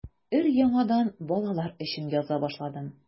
Өр-яңадан балалар өчен яза башлады.